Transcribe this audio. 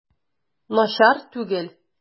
Начар түгел.